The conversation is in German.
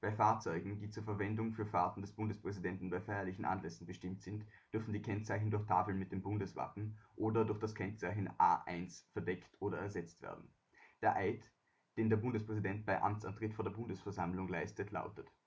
Fahrzeugen, die zur Verwendung für Fahrten des Bundespräsidenten bei feierlichen Anlässen bestimmt sind, dürfen die Kennzeichentafeln durch Tafeln mit dem Bundeswappen oder durch das Kennzeichen A 1000 verdeckt oder ersetzt werden. Der Eid, den der Bundespräsident bei Amtsantritt vor der Bundesversammlung leistet, lautet